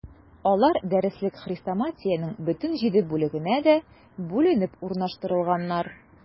Алар дәреслек-хрестоматиянең бөтен җиде бүлегенә дә бүленеп урнаштырылганнар.